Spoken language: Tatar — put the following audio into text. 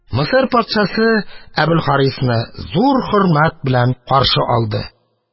Мисыр патшасы Әбелхарисны зур хөрмәт белән каршы алды.